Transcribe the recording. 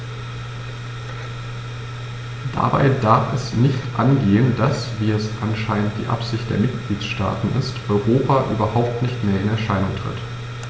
Dabei darf es nicht angehen, dass - wie es anscheinend die Absicht der Mitgliedsstaaten ist - Europa überhaupt nicht mehr in Erscheinung tritt.